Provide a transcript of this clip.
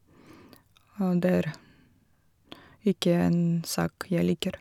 Og det er ikke en sak jeg liker.